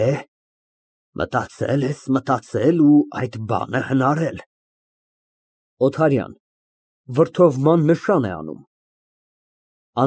Էհ, մտածել ես, մտածել ու այդ բանը հնարել… ՕԹԱՐՅԱՆ ֊ (Վրդովման նշան է անում)։